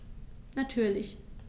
Natürlich.